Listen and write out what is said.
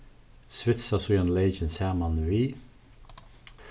svitsa síðani leykin saman við